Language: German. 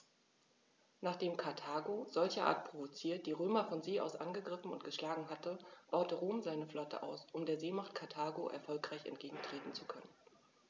Nachdem Karthago, solcherart provoziert, die Römer von See aus angegriffen und geschlagen hatte, baute Rom seine Flotte aus, um der Seemacht Karthago erfolgreich entgegentreten zu können.